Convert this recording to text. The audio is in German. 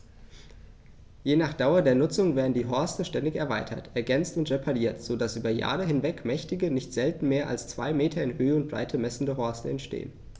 Je nach Dauer der Nutzung werden die Horste ständig erweitert, ergänzt und repariert, so dass über Jahre hinweg mächtige, nicht selten mehr als zwei Meter in Höhe und Breite messende Horste entstehen.